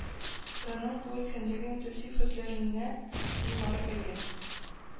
Рының бу өлкәдәге интенсив эзләнүләренә югары бәя